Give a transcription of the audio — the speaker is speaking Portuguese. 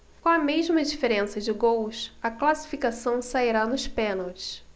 com a mesma diferença de gols a classificação sairá nos pênaltis